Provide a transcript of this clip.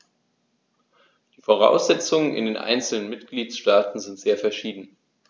Die Voraussetzungen in den einzelnen Mitgliedstaaten sind sehr verschieden.